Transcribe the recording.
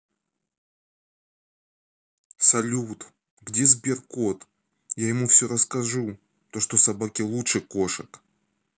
салют где сбер кот я ему все расскажу то что собаки лучше кошек